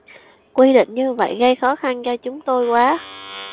quy định như vậy gây khó khăn cho chúng tôi quá